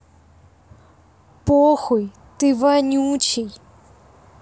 похуй ты вонючий